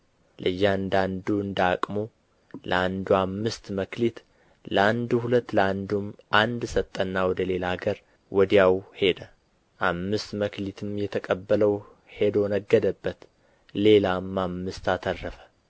ለእያንዳንዱ እንደ ዓቅሙ ለአንዱ አምስት መክሊት ለአንዱ ሁለት ለአንዱም አንድ ሰጠና ወደ ሌላ አገር ወዲያው ሄደ አምስት መክሊትም የተቀበለው ሄዶ ነገደበት ሌላም አምስት አተረፈ